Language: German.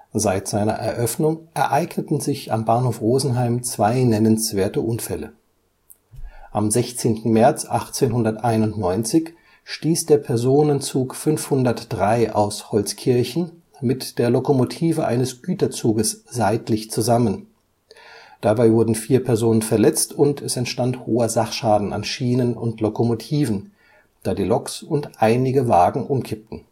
Seit seiner Eröffnung ereigneten sich am Bahnhof Rosenheim zwei nennenswerte Unfälle. Am 16. März 1891 stieß der Personenzug 503 aus Holzkirchen mit der Lokomotive eines Güterzuges seitlich zusammen. Dabei wurden vier Personen verletzt und es entstand hoher Sachschaden an Schienen und Lokomotiven, da die Loks und einige Wagen umkippten